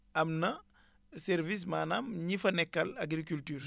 am na service maanaam ñi fa nekkal agriculture